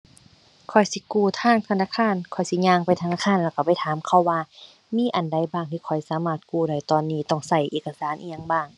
ข้อยสิกู้ทางธนาคาร ข้อยสิย่างไปธนาคารแล้วก็ไปถามเขาว่า มีอันใดบ้างที่ข้อยสามารถกู้ได้ตอนนี้ ต้องก็เอกสารอิหยังบ้าง